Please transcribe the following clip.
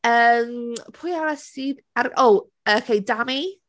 Yym, pwy arall sydd ar... O! yy oce, Dami?